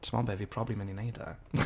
Timod be? Fi probably yn mynd i wneud e